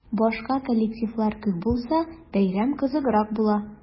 Башка коллективлар күп булса, бәйрәм кызыграк була.